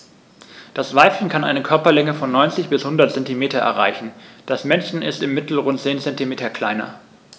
Das Weibchen kann eine Körperlänge von 90-100 cm erreichen; das Männchen ist im Mittel rund 10 cm kleiner.